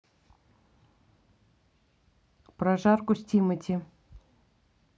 прожарку с тимати